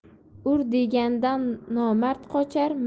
ur deganda nomard qochar